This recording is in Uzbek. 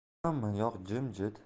hammayoq jimjit